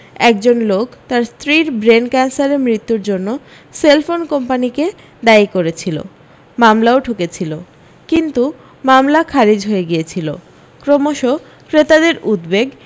একজন লোক তার স্ত্রীর ব্রেন ক্যানসারে মৃত্যুর জন্যে সেলফোন কোম্পানিকে দায়ী করেছিল মামলাও ঠুকেছিল কিন্তু মামলা খারিজ হয়ে গিয়েছিল ক্রমশ ক্রেতাদের উদ্বেগ